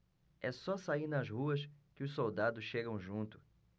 é só sair nas ruas que os soldados chegam junto